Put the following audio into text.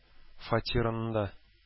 Фатирында